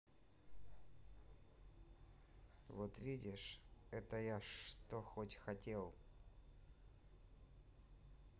вот видишь это я что хоть хотел